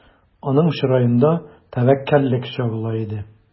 Аның чыраенда тәвәккәллек чагыла иде.